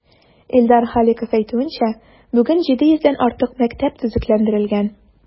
Илдар Халиков әйтүенчә, бүген 700 дән артык мәктәп төзекләндерелгән.